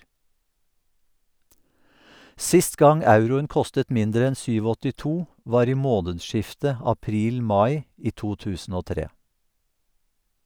Sist gang euroen kostet mindre enn 7,82, var i månedsskiftet april-mai i 2003.